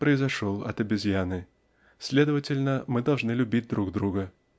произошел от обезьяны, следовательно, мы должны любить друг друга.